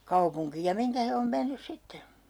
kaupunkiin ja mihin he on mennyt sitten